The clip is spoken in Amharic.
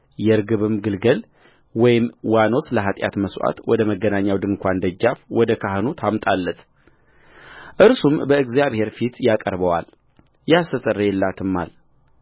የርግብም ግልገል ወይም ዋኖስ ለኃጢአት መሥዋዕት ወደ መገናኛው ድንኳን ደጃፍ ወደ ካህኑ ታምጣለትእርሱም በእግዚአብሔር ፊት ያቀርበዋል ያስተሰርይላትማል